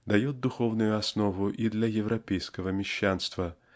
дает духовную основу и для европейского мещанства